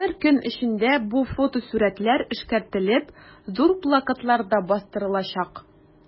Бер көн эчендә бу фотосурәтләр эшкәртелеп, зур плакатларда бастырылачак.